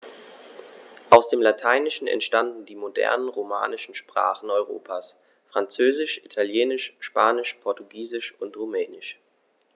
Aus dem Lateinischen entstanden die modernen „romanischen“ Sprachen Europas: Französisch, Italienisch, Spanisch, Portugiesisch und Rumänisch.